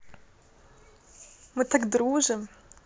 мы так дружим